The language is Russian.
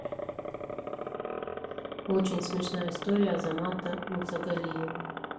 очень смешная история азамата мусагалиева